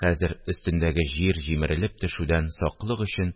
Хәзер өстендәге җир җимерелеп төшүдән саклык өчен